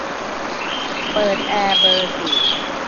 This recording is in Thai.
เปิดแอร์เบอร์สี่